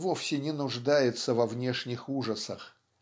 вовсе не нуждается во внешних ужасах